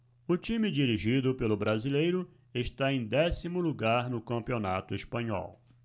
o time dirigido pelo brasileiro está em décimo lugar no campeonato espanhol